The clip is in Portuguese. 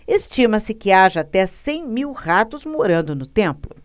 estima-se que haja até cem mil ratos morando no templo